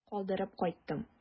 Калдырып кайттым.